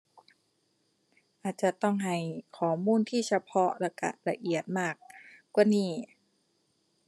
อาจจะต้องให้ข้อมูลที่เฉพาะแล้วก็ละเอียดมากกว่านี้